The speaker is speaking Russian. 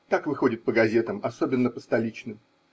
Так выходит по газетам, особенно по столичным.